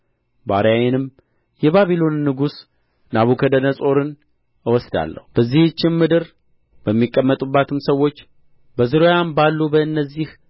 ባሪያዬንም የባቢሎንን ንጉሥ ናብከደነዖርን እወስዳለሁ በዚህችም ምድር በሚቀመጡባትም ሰዎች በዙሪያዋም ባሉ በእነዚህ